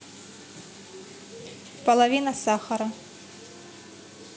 половина сахара